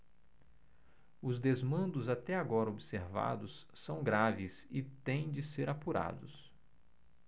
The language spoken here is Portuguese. os desmandos até agora observados são graves e têm de ser apurados